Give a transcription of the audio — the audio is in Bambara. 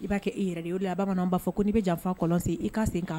I b'a kɛ i yɛrɛ de ye o de la bamananw b'a fɔ ko n'i be janfa kɔlɔn sen i ka sen ka '